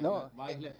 no -